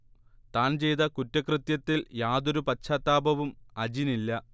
താൻ ചെയ്ത കുറ്റകൃത്യത്തിൽ യാതൊരു പശ്ചാത്താപവും അജിനില്ല